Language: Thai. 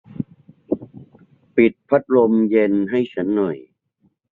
ปิดพัดลมเย็นให้ฉันหน่อย